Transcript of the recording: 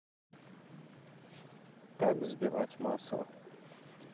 как взбивать масло